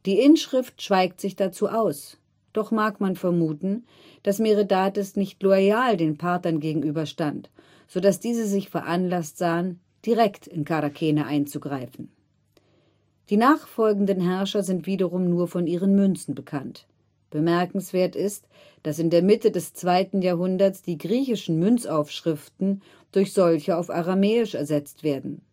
Inschrift schweigt sich dazu aus, doch mag man vermuten, dass Meresdates nicht loyal den Parthern gegenüber stand, so dass diese sich veranlasst sahen, direkt in Charakene einzugreifen. Die nachfolgenden Herrscher sind wiederum nur von ihren Münzen bekannt. Bemerkenswert ist, dass in der Mitte des zweiten Jahrhunderts die griechischen Münzaufschriften durch solche auf aramäisch ersetzt werden